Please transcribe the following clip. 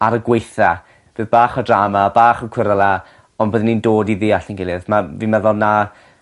ar y gwaetha fydd bach o drama bach o cweryla ond byddwn ni'n dod i ddeall ein gilydd. 'Na fi'n meddwl 'na